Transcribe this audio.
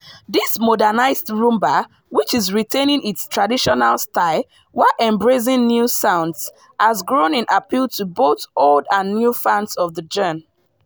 This modernised Rhumba which is retaining its traditional style while embracing new sounds has grown in appeal to both old and new fans of the genre.